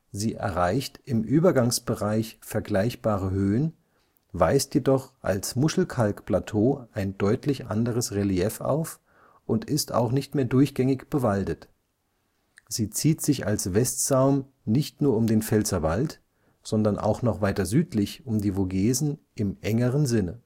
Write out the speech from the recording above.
Sie erreicht im Übergangsbereich vergleichbare Höhen, weist jedoch als Muschelkalk-Plateau ein deutlich anderes Relief auf und ist auch nicht mehr durchgängig bewaldet. Sie zieht sich als Westsaum nicht nur um den Pfälzerwald, sondern auch noch weiter südlich um die Vogesen im engeren Sinne